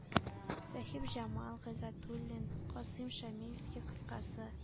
Сәхибҗамал Гыйззәтуллинн, Касыйм Шамильский, кыскасы,